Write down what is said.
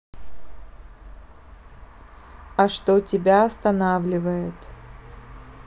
а что тебя останавливает